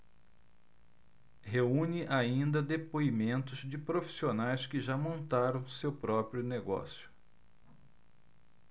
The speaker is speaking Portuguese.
reúne ainda depoimentos de profissionais que já montaram seu próprio negócio